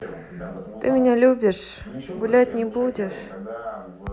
ты меня любишь гулять не будешь